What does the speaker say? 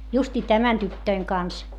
- justiin tämän tytön kanssa